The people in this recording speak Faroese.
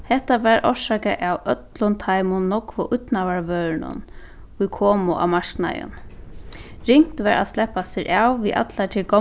hetta var orsakað av øllum teimum nógvu ídnaðarvørunum ið komu á marknaðin ringt var at sleppa sær av við allar tær